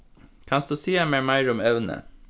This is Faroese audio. kanst tú siga mær meira um evnið